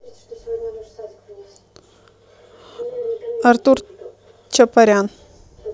артур чапарян